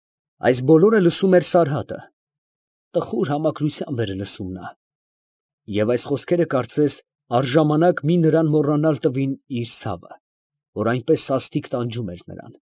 Այս բոլորը լսում էր Սարհատը, տխո՜ւր համակրությամբ էր լսում նա, և այս խոսքերը, կարծես, առժամանակ մի նրան մոռանալ տվին իր ցավը, որ այնպես սաստիկ տանջում էր նրան։